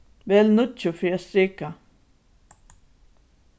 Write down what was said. vel níggju fyri at strika